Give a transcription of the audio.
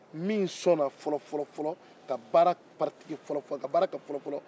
min sɔnna fɔlɔ fɔlɔ fɔlɔ ka baara paratike fɔlɔ fɔlɔ ka baara kɛ fɔlɔ fɔlɔ